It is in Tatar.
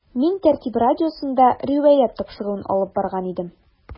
“мин “тәртип” радиосында “риваять” тапшыруын алып барган идем.